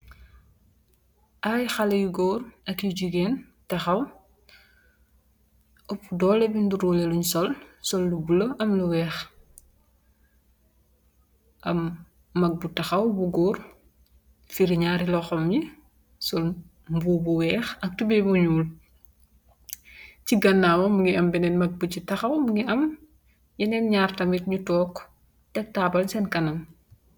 aay xale yu góor ak yu jigeen taxaw ëpp doole bi nduróle luñ sol sol lu bula am lu weex am maag bu taxaw bu góor firi ñaari loxom yi sol mbuu bu weex ak tubai bu ñuul ci gannaawam mungi am beneen maag bu ci taxaw mungi am yeneen ñaar tamit ñu toog tek taabal seen kanam.